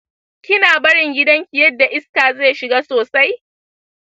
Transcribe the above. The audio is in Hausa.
kina barin gidanki yadda iska zai shiga sosai?